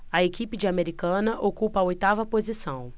a equipe de americana ocupa a oitava posição